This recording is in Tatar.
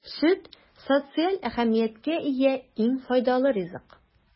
Сөт - социаль әһәмияткә ия иң файдалы ризык.